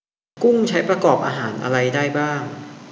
กุ้งใช้ประกอบอาหารอะไรได้บ้าง